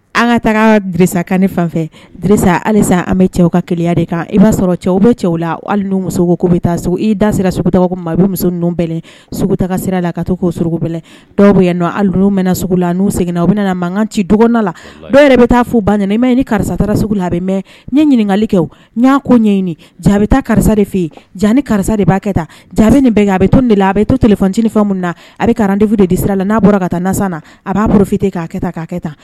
An ka taga gsa kan fanfɛ halisa an bɛ cɛw ka keya de kan i b'a sɔrɔ cɛw bɛ cɛw la hali musow ko bɛ taa i da sera staa bɛ muso n bɛ sirasira la ka to k'o s bɛ dɔw bɛ yan hali n bɛ sugu la n seginnana u bɛna mankan ci dɔgɔn la dɔw yɛrɛ bɛ taa fo ba ma ye ni karisata sugu la a ɲɛ ɲininkakali kɛ ko ɲɛɲini jaabi bɛ ta karisa de fɛ yen ja ni karisa de b'a kɛ ta jaabi nin bɛn a bɛ to de la a bɛ to tiletinin minnu na a bɛdife de sira la n'a ka taa na na a b'a bolofin k'a kɛ' kɛ tan